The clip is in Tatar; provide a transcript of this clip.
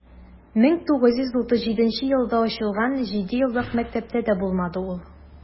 1937 елда ачылган җидееллык мәктәптә дә булмады ул.